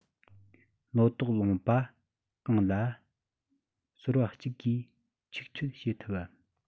ལོ ཏོག ལུང པ གང ལ ཟོར བ གཅིག གིས ཆིག ཆོད བྱེད ཐུབ བམ